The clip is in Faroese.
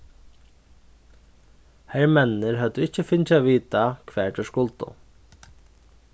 hermenninir høvdu ikki fingið at vita hvar teir skuldu